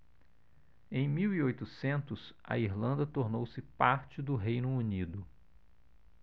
em mil e oitocentos a irlanda tornou-se parte do reino unido